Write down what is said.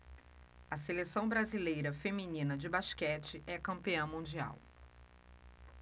a seleção brasileira feminina de basquete é campeã mundial